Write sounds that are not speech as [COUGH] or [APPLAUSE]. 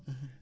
[HESITATION] [HESITATION]